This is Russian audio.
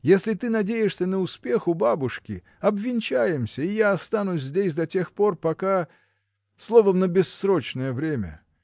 Если ты надеешься на успех у бабушки — обвенчаемся, и я останусь здесь до тех пор, пока. словом, на бессрочное время.